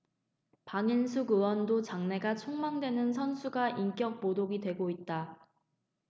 박인숙 의원도 장래가 촉망되는 선수가 인격모독이 되고 있다